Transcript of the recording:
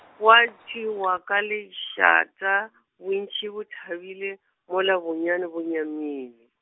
gwa tšwewa ka lešata, bontši bo thabile, mola bonyane bo nyamile.